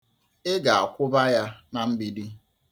I ga-akwụba ya na mgbidi.